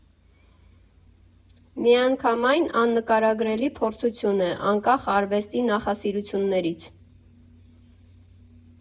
Միանգամայն աննկարագրելի փորձառություն է՝ անկախ արվեստի նախասիրություններից։